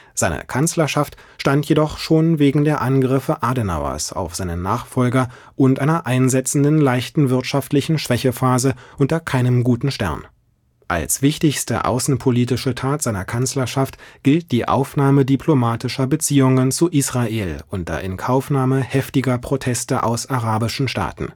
Seine Kanzlerschaft stand jedoch schon wegen der Angriffe Adenauers auf seinen Nachfolger und einer einsetzenden leichten wirtschaftlichen Schwächephase unter keinem guten Stern. Als wichtigste außenpolitische Tat seiner Kanzlerschaft gilt die Aufnahme diplomatischer Beziehungen zu Israel unter Inkaufnahme heftiger Proteste aus arabischen Staaten